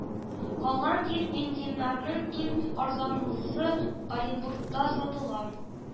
Калган төр бензиннарның иң арзанлысы оренбургта сатылган